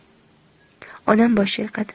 onam bosh chayqadi